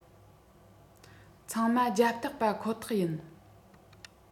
ཚང མ རྒྱབ སྟེགས པ ཁོ ཐག ཡིན